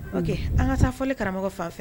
Ok an ka taa fɔli karamɔgɔ fan fɛ